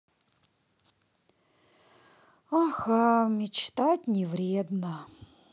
аха мечтать не вредно